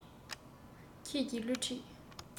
ཁྱེད ཀྱི བསླུ བྲིད